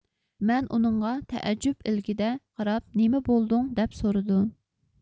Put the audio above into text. مەن ئۇنىڭغا تەئەججۈپ ئىلىكىدە قاراپ نېمبولدۇڭ دەپ سورىدىم